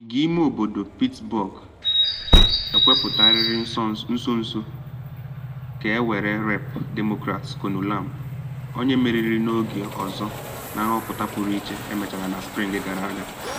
Ogige ime obodo Pittsburg ekwepụtagharịrị nso nso a ka nwere Rep. Demokrats Conor Lamb - onye meriri n’ogige ọzọ na nhọpụta pụrụ iche e mere na spring gara aga.